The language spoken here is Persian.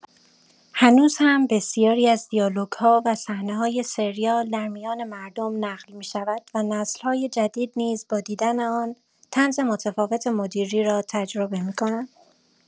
هنوز هم بسیاری از دیالوگ‌ها و صحنه‌های سریال در میان مردم نقل می‌شود و نسل‌های جدید نیز با دیدن آن، طنز متفاوت مدیری را تجربه می‌کنند.